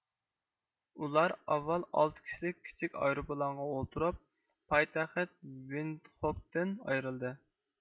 ئۇلار ئاۋۋال ئالتە كىشىلىك كىچىك ئايروپىلانغا ئولتۇرۇپ پايتەخت ۋىندخوكتىن ئايرىلدى